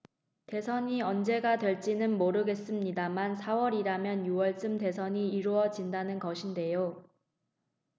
대선이 언제가 될지는 모르겠습니다만 사 월이라면 유 월쯤 대선이 이뤄진다는 것인데요